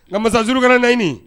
Nka masaurukkɛnɛ naɲini